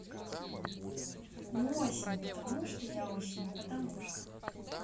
ну осенью потому что я осенью потому что